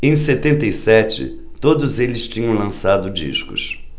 em setenta e sete todos eles tinham lançado discos